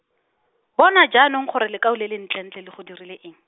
bona jaanong gore lekau le lentle ntle le go dirile eng.